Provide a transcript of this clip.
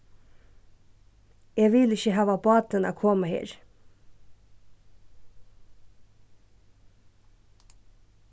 eg vil ikki hava bátin at koma her